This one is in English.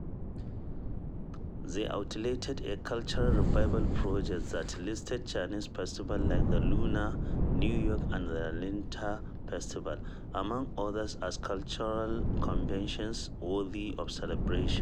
They outlined a cultural revival project that lists Chinese festivals like the Lunar New Year and the Lantern Festival, among others, as cultural conventions worthy of celebration.